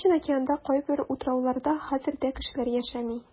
Ни өчен океанда кайбер утрауларда хәзер дә кешеләр яшәми?